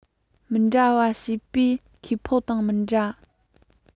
མི འདྲ བ བྱེད པོའི ཁེ ཕན དང མི འདྲ